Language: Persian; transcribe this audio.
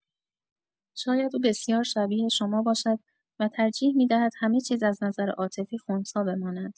شاید او بسیار شبیه شما باشد و ترجیح می‌دهد همه‌چیز از نظر عاطفی خنثی بماند.